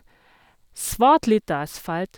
Svært lite asfalt.